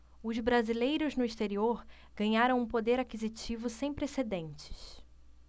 os brasileiros no exterior ganharam um poder aquisitivo sem precedentes